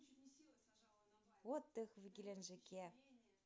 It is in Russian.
отдых в геленджике